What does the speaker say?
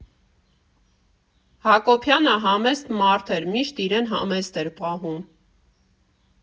Հակոբյանը համեստ մարդ էր, միշտ իրեն համեստ էր պահում։